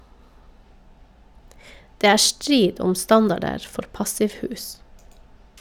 Det er strid om standarder for passivhus.